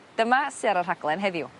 Dyma sy ar y rhaglen heddiw.